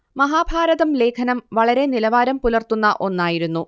മഹാഭാരതം ലേഖനം വളരെ നിലവാരം പുലര്ത്തുന്ന ഒന്നായിരുന്നു